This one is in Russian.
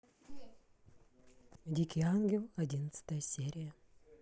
дикий ангел одиннадцатая серия